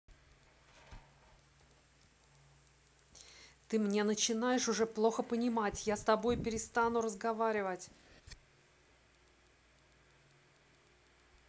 ты мне начинаешь уже плохо понимать я с тобой перестану разговаривать